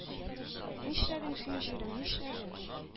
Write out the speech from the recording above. Нишләдең син, җирем, нишләдең?